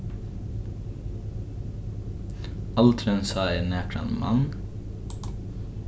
aldrin sá eg nakran mann